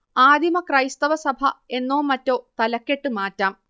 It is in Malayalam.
ആദിമ ക്രൈസ്തവ സഭ എന്നോ മറ്റോ തലക്കെട്ട് മാറ്റാം